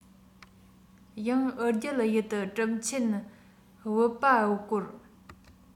ཡང ཨུ རྒྱན ཡུལ དུ གྲུབ ཆེན བིརྺ པ དབུ བསྐོར